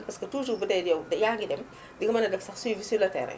parce que toujours budee yow de yaa ngi dem dinga mën a def sax suivi sur le terrain